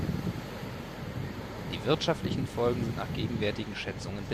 Folgen sind nach gegenwärtigen Schätzungen